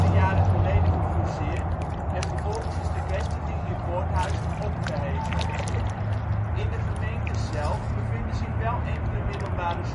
jaren geleden gefuseerd en vervolgens is de vestiging in Voorthuizen opgeheven. In de gemeente zelf bevinden zich wel enkele middelbare